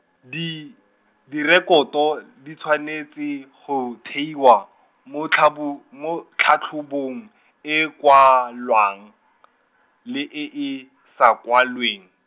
di , direkoto di tshwanetse go theiwa, mo tlhabo mo tlhatlhobong, e kwalwang , le e e, sa kwalweng.